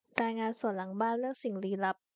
รายงานสวนหลังบ้านเรื่องสิ่งลี้ลับ